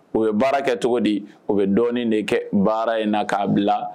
O ye baara kɛ cogo di o bɛ dɔɔnin de kɛ baara in na k'a bila